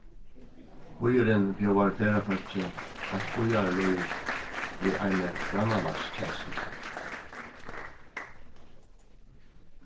býurin bjóðar ferðafólki eitt býarlív við eini grannalagskenslu